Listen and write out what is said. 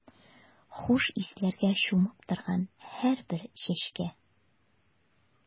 Хуш исләргә чумып торган һәрбер чәчкә.